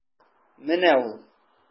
Менә ул.